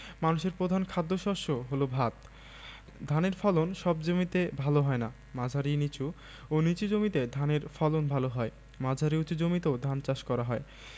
মানুষের প্রধান খাদ্যশস্য হলো ভাত ধানের ফলন সব জমিতে ভালো হয় না মাঝারি নিচু ও নিচু জমিতে ধানের ফলন ভালো হয় মাঝারি উচু জমিতেও ধান চাষ করা হয়